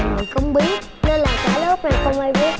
người không biết nên là cả lớp này không ai biết